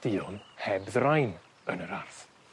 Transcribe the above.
duon heb ddrain yn yr ar'.